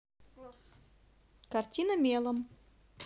картина мелом